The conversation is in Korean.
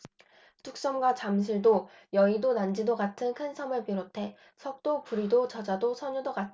뚝섬과 잠실도 여의도 난지도 같은 큰 섬을 비롯해 석도 부리도 저자도 선유도 같은 열 여개의 섬들이 있었다